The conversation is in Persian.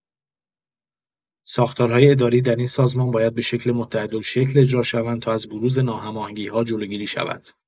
ساختارهای اداری در این سازمان باید به شکل متحدالشکل اجرا شوند تا از بروز ناهماهنگی‌ها جلوگیری شود.